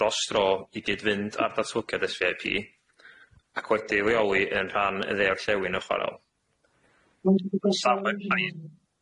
dros dro i gyd-fynd â'r datblygiad Ess Vee Eye Pee ac wedi'i leoli yn rhan y dde-orllewin y chwaral.